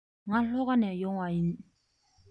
ང ལྷོ ཁ ནས ཡོང པ ཡིན